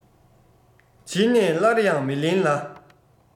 བྱིན ནས སླར ཡང མི ལེན ལ